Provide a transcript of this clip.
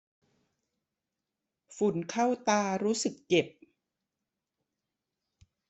ฝุ่นเข้าตารู้สึกเจ็บ